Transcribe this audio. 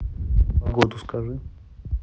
погоду скажи